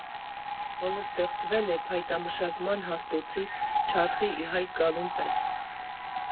Հոլը ստեղծվել է փայտամշակման հաստոցի՝ չարխի ի հայտ գալուն պես։